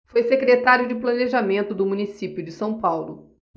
foi secretário de planejamento do município de são paulo